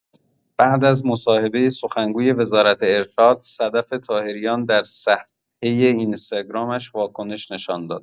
بعد از مصاحبه سخنگوی وزارت ارشاد، صدف طاهریان در صفحه اینستاگرامش واکنش نشان داد.